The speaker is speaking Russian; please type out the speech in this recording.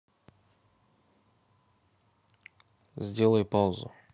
сделай паузу